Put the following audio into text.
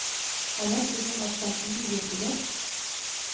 Алар сезнең арттан шундый йөрделәр